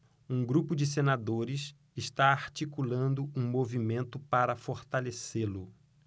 um grupo de senadores está articulando um movimento para fortalecê-lo